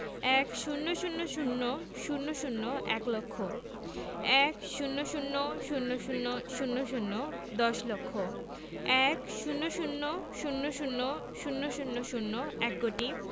১০০০০০ এক লক্ষ ১০০০০০০ দশ লক্ষ ১০০০০০০০ এক কোটি